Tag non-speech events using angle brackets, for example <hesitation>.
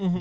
<hesitation> <hesitation>